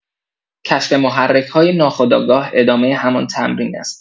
کشف محرک‌های ناخودآگاه ادامه همان تمرین است.